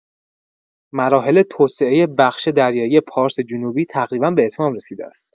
مراحل توسعه بخش دریایی پارس جنوبی تقریبا به اتمام رسیده است.